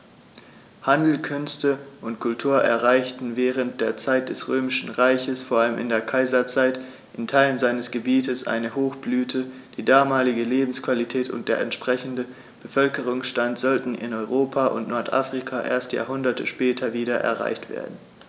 Handel, Künste und Kultur erreichten während der Zeit des Römischen Reiches, vor allem in der Kaiserzeit, in Teilen seines Gebietes eine Hochblüte, die damalige Lebensqualität und der entsprechende Bevölkerungsstand sollten in Europa und Nordafrika erst Jahrhunderte später wieder erreicht werden.